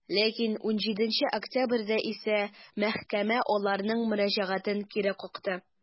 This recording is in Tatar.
Ләкин 17 октябрьдә исә мәхкәмә аларның мөрәҗәгатен кире какты.